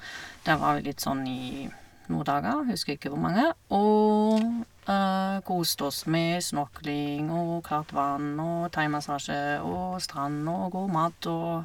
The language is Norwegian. Der var vi litt sånn i noe dager, husker ikke hvor mange, og koste oss med snorkling og klart vann og thaimassasje og strand og god mat og...